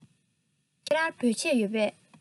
ཁྱེད རང ལ བོད ཆས ཡོད པས